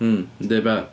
Mm yn deud be?